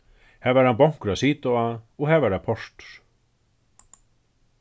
har var ein bonkur at sita á og har var eitt portur